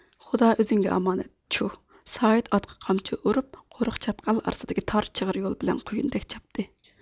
خۇدا ئۆزۈڭگە ئامانەت چۇھ سايىت ئاتقا قامچا ئۇرۇپ قورۇق چاتقال ئارىسىدىكى تار چىغىر يول بىلەن قۇيۇندەك چاپتى